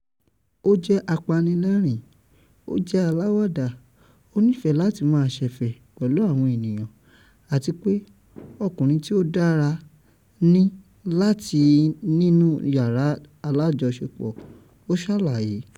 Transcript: "Ó jẹ́ apanilẹ́rìn ín, ó jẹ́ aláwàdà, ó nífẹ́ láti máa ṣ’ẹ̀fẹ̀ pẹ̀lú àwọn ènìyàn, àti pé ọkùnrin tí ó dára ni látin í nínú yàrá alájọṣepọ̀,” ó ṣàlàyé.